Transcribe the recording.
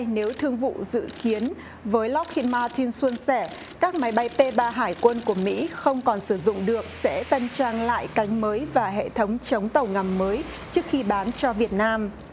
nếu thương vụ dự kiến với lốc hít ma tin suôn sẻ các máy bay tê ba hải quân của mỹ không còn sử dụng được sẽ tân trang lại cánh mới và hệ thống chống tàu ngầm mới trước khi bán cho việt nam